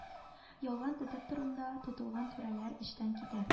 Ялган детекторында тотылган түрәләр эштән китә